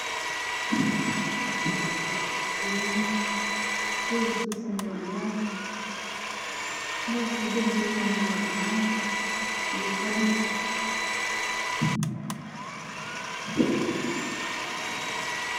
Mashan waa salax booni roog kufidsan waa cagaran darbiga nawa cadan iyo qalin